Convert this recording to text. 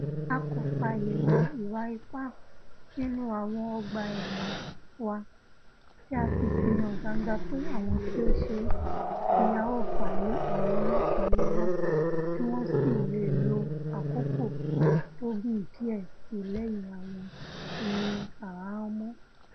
A kò fààyè gba ìwà ipá nínú àwọn ọgbà-ẹ̀wọ̀n wa, tí a sì fihàn gbangba pé àwọn tí ó ṣe é ni a o fà lé àwọn ọlọ́ọ̀pá lọ́wọ́ tí wọ́n sì leè lo àkókó tó gùn díẹ̀ síi lẹ́yìn àwọn irin àhámọ́.